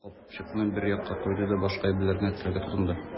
Ул капчыкны бер якка куйды да башка әйберләрен рәтләргә тотынды.